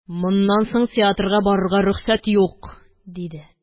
Моннан соң театрга барырга рөхсәт юк! – диде.